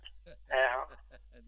eeyi